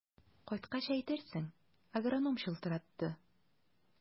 Кайткач әйтерсең, агроном чылтыратты.